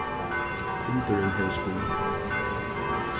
hundurin hevur spýð